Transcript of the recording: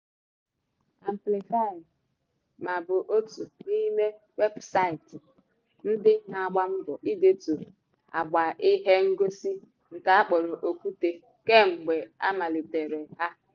Amplify.ma bụ otu n'ime webụsaịtị ndị na-agba mbọ ịdetu agba ihe ngosi nke a kpọrọ okwute kemgbe a malitere ha.